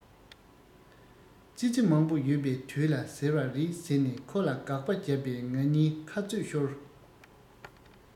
ཙི ཙི མང པོ ཡོད པའི དུས ལ ཟེར བ རེད ཟེར ནས ཁོ ལ དགག པ བརྒྱབ པས ང གཉིས ཁ རྩོད ཤོར